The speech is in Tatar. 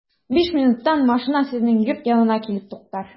Биш минуттан машина сезнең йорт янына килеп туктар.